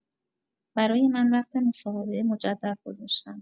برای من وقت مصاحبه مجدد گذاشتن.